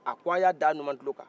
a ko a y'a da numatulo kan